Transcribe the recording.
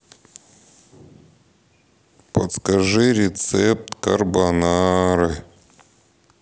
подскажи рецепт карбонары